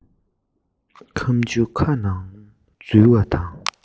ཁམ ཆུ ཁ ནང འཛུལ བ དང